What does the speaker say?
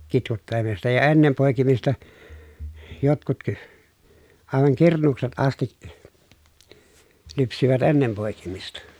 kitkuttelemaan sitä ja ennen poikimista jotkut - aivan kurnuukset asti lypsivät ennen poikimista